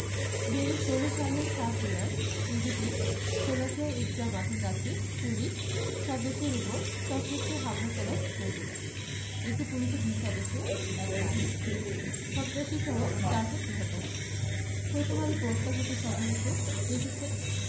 ২০১৬ সালের ৭ জুলাই ঈদের দিন শোলাকিয়া ঈদগাহ মাঠের কাছে পুলিশ সদস্যদের ওপর সশস্ত্র হামলা চালায় জঙ্গিরা এতে পুলিশের দুই সদস্য এক নারী সন্ত্রাসীসহ চারজন নিহত হন প্রথমআলো পোর্টাল হতে সংগৃহীত লিখেছেন